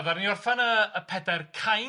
Ddaru ni orffen y y pedair cainc. Ia.